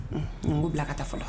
N ko bila ka taa fɔlɔ